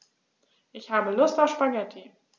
Ich habe Lust auf Spaghetti.